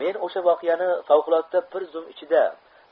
men o'sha voqeani favqulodda bir zum ichida